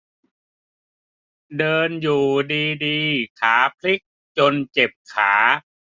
เดินอยู่ดีดีขาพลิกจนเจ็บขา